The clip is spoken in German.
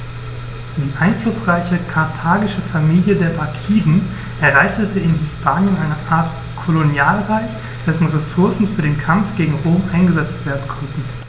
Die einflussreiche karthagische Familie der Barkiden errichtete in Hispanien eine Art Kolonialreich, dessen Ressourcen für den Kampf gegen Rom eingesetzt werden konnten.